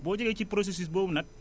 boo jógee ci processus boobu nag